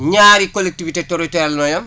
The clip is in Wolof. ñaari collectivités territoriales ñooy am